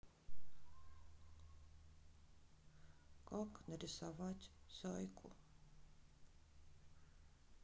как нарисовать зайку